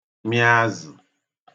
mị azə̣